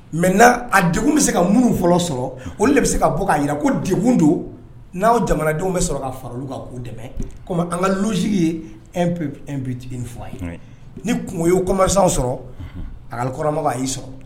Maintenant a degun bɛ se ka minnu fɔlɔ sɔrɔ. Un! Olu de bɛ se ka bɔ ka jira ko degun do n'aw jamanadenw bɛ sɔrɔ ka fara olu kan k'u dɛmɛ comme an ka logique ye un peuple-un but une foi ye. Oui! Ni kungo ye commerçants _ sɔrɔ. Unhun! a y'i sɔrɔ.